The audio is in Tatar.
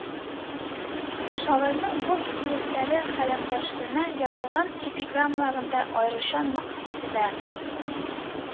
Шагыйрьнең бу хиреслеге каләмдәшләренә язылган эпиграммаларында аеруча нык сизелә